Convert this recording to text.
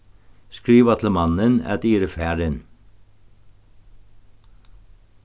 skriva til mannin at eg eri farin